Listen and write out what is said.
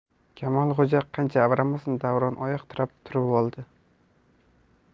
kamolxo'ja qancha avramasin davron oyoq tirab turib oldi